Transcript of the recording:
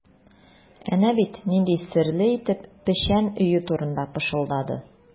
Әнә бит нинди серле итеп печән өю турында пышылдады.